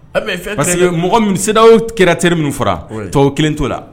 Mais Parce que mɔgɔ min CEDEAO créateur min fɔra tubabu kelen t'o la